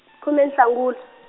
khume Nhlangula.